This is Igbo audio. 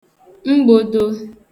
mgbodo